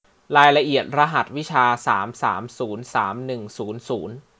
รายละเอียดรหัสวิชาสามสามศูนย์สามหนึ่งศูนย์ศูนย์